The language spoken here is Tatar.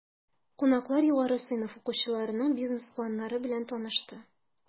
Кунаклар югары сыйныф укучыларының бизнес планнары белән танышты.